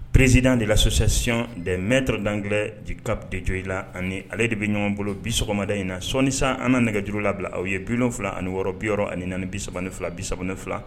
Perezed de la sɔsɛsiy de mɛtɔ dangɛ kate jo i la ani ale de bɛ ɲɔgɔn bolo bi sɔgɔmada in na sɔni san an nɛgɛjuru labila a ye bi fila ani wɔɔrɔ bi6 ani bi3e fila bi3 ne fila